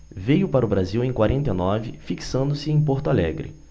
veio para o brasil em quarenta e nove fixando-se em porto alegre